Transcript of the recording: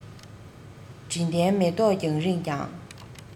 དྲི ལྡན མེ ཏོག རྒྱང རིང ཡང